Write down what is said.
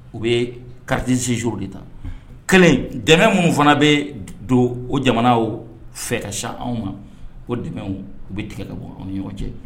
U bɛ karidensin suru de ta kelen dɛ minnu fana bɛ don o jamana fɛ ka ca anw ma ko dɛ u bɛ tigɛ ka bɔ anw ni ɲɔgɔn cɛ